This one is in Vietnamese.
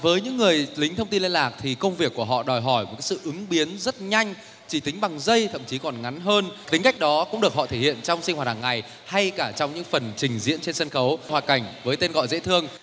với những người lính thông tin liên lạc thì công việc của họ đòi hỏi một cái sự ứng biến rất nhanh chỉ tính bằng giây thậm chí còn ngắn hơn tính cách đó cũng được họ thể hiện trong sinh hoạt hằng ngày hay cả trong những phần trình diễn trên sân khấu hoạt cảnh với tên gọi dễ thương